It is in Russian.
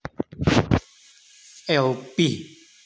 эл пи